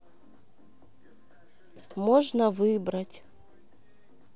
можно выбрать